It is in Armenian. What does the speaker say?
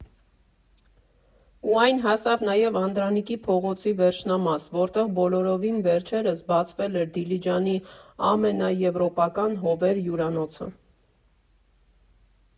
Ու այն հասավ նաև Անդրանիկի փողոցի վերջնամաս, որտեղ բոլորովին վերջերս բացվել էր Դիլիջանի ամենաեվրոպական «Հովեր» հյուրանոցը։